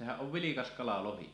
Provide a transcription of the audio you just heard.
sehän on vilkas kala lohi